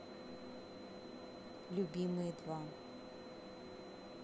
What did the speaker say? любимые два